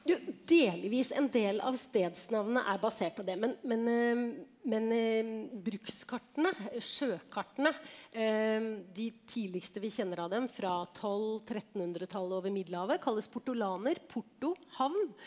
du delvis en del av stedsnavnene er basert på det men men men brukskartene, sjøkartene, de tidligste vi kjenner av dem fra tolv trettenhundretallet over Middelhavet kalles porto havn.